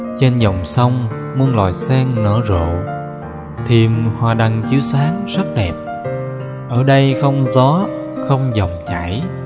trên dòng sông muôn loài sen nở rộ thêm hoa đăng chiếu sáng rất đẹp ở đây không gió không dòng chảy